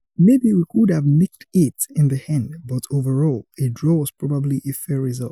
Maybe we could have nicked it in the end but, overall, a draw was probably a fair result.